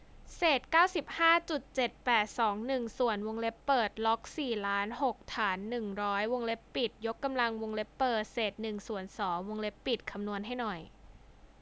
เศษเก้าสิบห้าจุดเจ็ดแปดสองหนึ่งส่วนวงเล็บเปิดล็อกสี่ล้านหกฐานหนึ่งร้อยวงเล็บปิดยกกำลังวงเล็บเปิดเศษหนึ่งส่วนสองวงเล็บปิดคำนวณให้หน่อย